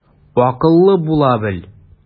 Акыллы була бел.